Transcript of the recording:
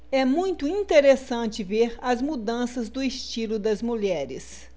é muito interessante ver as mudanças do estilo das mulheres